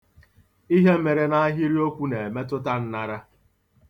Ihe mere n'ahịrịokwu na-emetụta nnara.